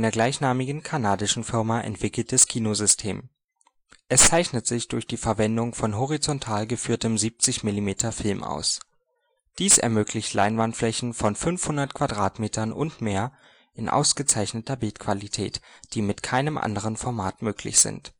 gleichnamigen kanadischen Firma entwickeltes Kino-System. Es zeichnet sich durch die Verwendung von horizontal geführtem 70-mm-Film aus. Dies ermöglicht Leinwandflächen von 500 m² und mehr in ausgezeichneter Bildqualität, die mit keinem anderen Format möglich sind